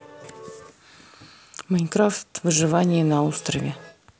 майнкрафт выживание на острове